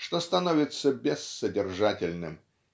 что становится бессодержательным